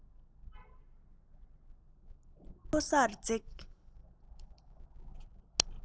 རི མཐོ སར འཛེགས